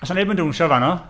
A does 'na neb yn dawnsio fanno!